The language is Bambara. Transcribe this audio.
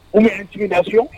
Ou bien